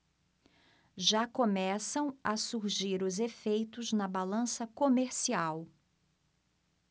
já começam a surgir os efeitos na balança comercial